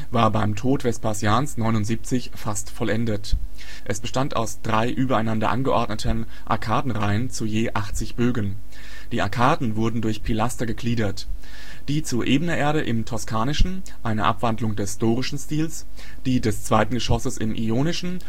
war beim Tod Vespasians 79 fast vollendet. Es bestand aus drei übereinander angeordneten Arkadenreihen zu je 80 Bögen. Die Arkaden wurden durch Pilaster gegliedert: die zu ebener Erde im toskanischen, einer Abwandlung des dorischen Stils, die des zweiten Geschosses im ionischen